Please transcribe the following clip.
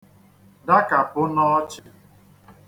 dakàpụ n'ọchị